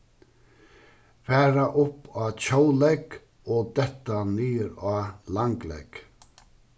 fara upp á tjólegg og detta niður á langlegg